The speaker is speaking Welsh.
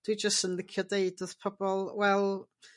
dwi jyst yn licio deud wrth pobol wel